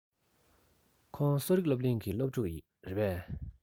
ཁོང གསོ རིག སློབ གླིང གི སློབ ཕྲུག རེད པས